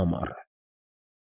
Ամառը։